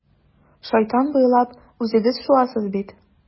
Шайтан буйлап үзегез шуасыз бит.